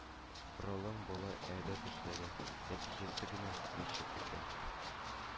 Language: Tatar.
Ралың болай әйбәт эшләде, нәтиҗәсе генә ничек икән